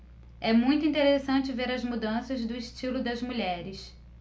é muito interessante ver as mudanças do estilo das mulheres